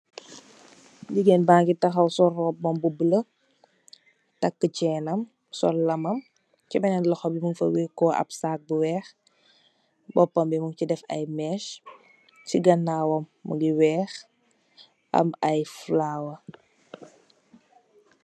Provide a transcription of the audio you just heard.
Jigeen ba ngi taxaw sol róbbam bu bula takka cèèn sol lamam, ci benen loxom bi mung fa weko am sak bu wèèx , bópam bi mung fa def ay més ci ganaw wam mugii wèèx am ay fulawa.